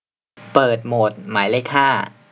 เปิดโหมดหมายเลขห้า